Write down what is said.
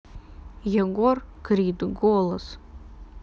егор крид голос